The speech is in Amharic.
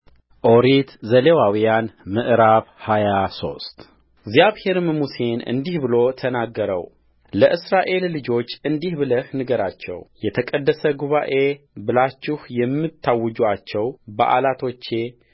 ኦሪት ዘሌዋውያን ምዕራፍ ሃያ ሶስት እግዚአብሔርም ሙሴን እንዲህ ብሎ ተናገረውለእስራኤል ልጆች እንዲህ ብለህ ንገራቸው የተቀደሰ ጉባኤ ብላችሁ የምታውጁአቸው በዓላቶቼ